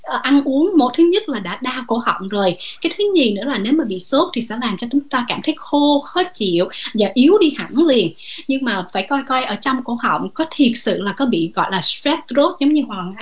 ờ ăn uống một thứ nhất là đã đau cổ họng rồi ký thứ nhì nữa là nếu mà bị sốt thì sẵn làm cho chúng ta cảm thấy khô khó chịu và yếu đi hẳn liền nhưng mà phải coi coi ở trong cổ họng có thiệt sự là có bị gọi là trét rốt giống như hoàng anh